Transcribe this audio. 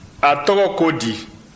a tɔgɔ ko di